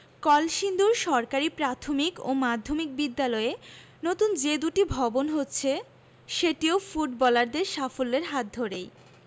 কলসিন্দুর সরকারি প্রাথমিক ও মাধ্যমিক বিদ্যালয়ে নতুন যে দুটি ভবন হচ্ছে সেটিও ফুটবলারদের সাফল্যের হাত ধরেই